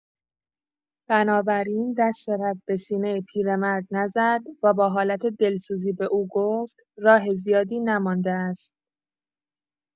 بنابراین دست رد به سینه پیرمرد نزد و با حالت دلسوزی به او گفت: «راه زیادی نمانده است.»